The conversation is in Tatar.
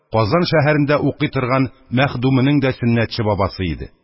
Казан шәһәрендә укый торган мәхдүменең дә сөннәтче бабасы иде.